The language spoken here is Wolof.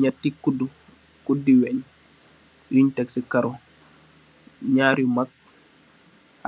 Ñetti kuddi, kuddi weñ yun tek ci karó ñaari yu mak